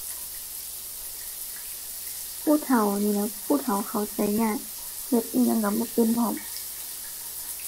ผู้เฒ่านี้แหล้ว ผู้เฒ่าเข้าใจยาก เฮ็ดอิหยังก็บ่เป็นพร้อม